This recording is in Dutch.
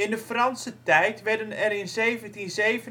de Franse tijd werden er in 1797